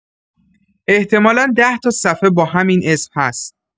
احتمالا ده‌تا صفحه با همین اسم هست.